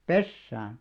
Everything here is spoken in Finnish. pesään